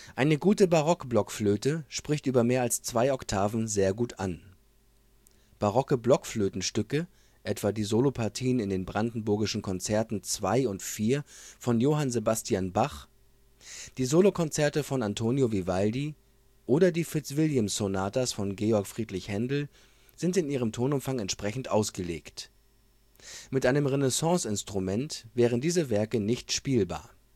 Eine gute Barock-Blockflöte spricht über mehr als 2 Oktaven sehr gut an. Barocke Blockflötenstücke, etwa die Solopartien in den Brandenburgischen Konzerten 2 und 4 von Johann Sebastian Bach, die Solokonzerte von Antonio Vivaldi oder die Fitzwilliam-Sonatas von Georg Friedrich Händel, sind in ihrem Tonumfang entsprechend ausgelegt. Mit einem Renaissance-Instrument wären diese Werke nicht spielbar